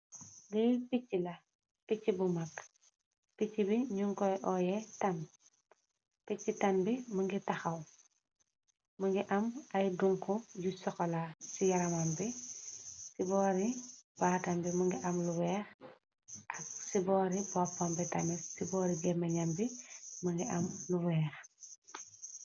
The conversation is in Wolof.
Li pichee la picha bu maag pichee bi nyung ko oyeh taan pichee taan bi mogi taxaw mogi am ay donhu yu chocola si yaramam bi si bori patam bi mogi am lu weex si bori mbopam bi tamit si bori geemen bi mogi am lu weex.